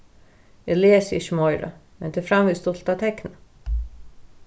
eg lesi ikki meira men tað er framvegis stuttligt at tekna